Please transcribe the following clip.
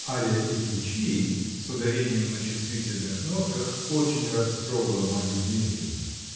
Ария из "Лучии", с ударениями на чувствительных нотках, очень растрогала Марью Дмитриевну.